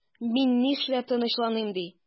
Мин нишләп тынычланыйм ди?